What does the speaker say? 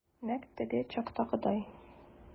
Нәкъ теге чактагыдай.